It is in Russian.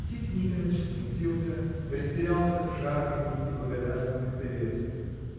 Тит Никоныч смутился, растерялся в шарканье и благодарственных приветствиях.